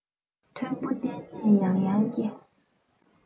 མཐོན པོ བརྟེན ནས ཡར ཡར སྐྱེ